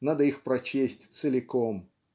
надо их прочесть целиком.